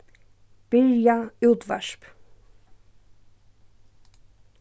byrja útvarp